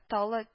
Талы